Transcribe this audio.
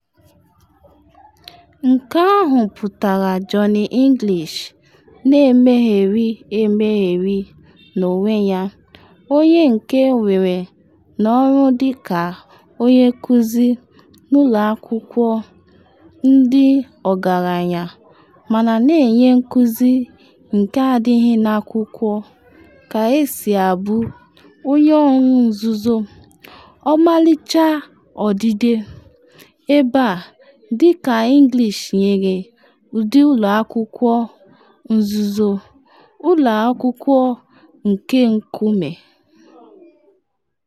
Nke ahụ pụtara Johnny English na-emegheri emegheri n’onwe ya, onye nke ewere n’ọrụ dịka onye nkuzi n’ụlọ akwụkwọ ndị ọgaranya, mana na-enye nkuzi nke adịghị n’akwụkwọ ka-esi a bụ onye ọrụ nzuzo: ọmalịcha odide ebe a, dịka English nyere ụdị ụlọ akwụkwọ nzuzo School of Rock.